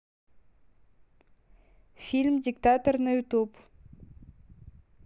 фильм диктатор на ютуб